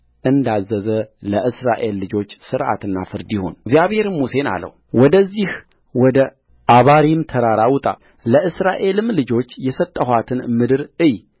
እንዳዘዘ ለእስራኤል ልጆች ሥርዓትና ፍርድ ይሁንእግዚአብሔርም ሙሴን አለው ወደዚህ ወደ ዓባሪም ተራራ ውጣ ለእስራኤልም ልጆች የሰጠኋትን ምድር እይ